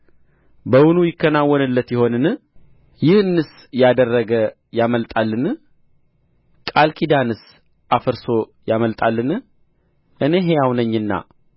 በውኑ ይከናወንለት ይሆንን ይህንስ ያደረገ ያመልጣልን ቃል ኪዳንንስ አፍርሶ ያመልጣልን እኔ ሕያው ነኝና